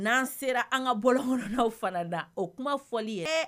N'an sera an ka bɔɔrɔnna fana da o kuma fɔli ye